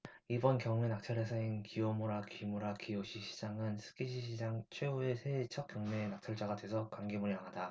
이번 경매 낙찰 회사인 기요무라의 기무라 기요시 사장은 쓰키지시장 최후의 새해 첫경매 낙찰자가 돼서 감개무량하다